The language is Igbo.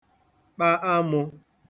kpa amụ̄